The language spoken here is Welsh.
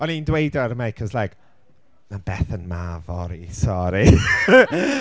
O'n i’n dweud o ar y meic I was like "Ma' Bethan 'ma fory” sori.